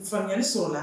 Fankelenni sɔrɔla o la